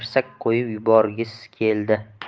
tarsaki qo'yib yuborgis keldi